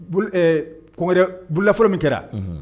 Kɔnmɔnɛurula fɔlɔ min kɛra